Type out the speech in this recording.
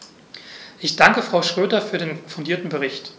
Ich danke Frau Schroedter für den fundierten Bericht.